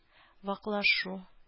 Ваклашу